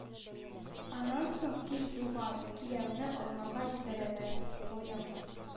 Аннан соң, кич булгач, кияүне алмага җибәрәләр, баягы